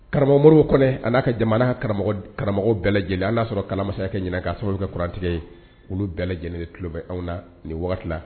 Karamɔgɔmo kɔnɔ a n'a ka jamana ka karamɔgɔ karamɔgɔ bɛɛ lajɛlen an y'a sɔrɔ kalamasakɛ ɲɛna k' sababu kɛ kurantigɛ ye olu bɛɛ lajɛlen ni tulobɛ anw na nin waati